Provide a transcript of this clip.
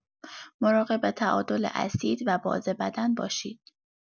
مراقب تعادل اسید و باز بدن باشید.